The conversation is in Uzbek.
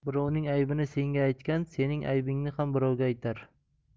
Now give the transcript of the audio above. birovning aybini senga aytgan sening aybingni ham birovga aytar